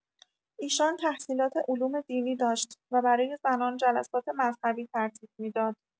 ایشان تحصیلات علوم دینی داشت و برای زنان جلسات مذهبی ترتیب می‌داد.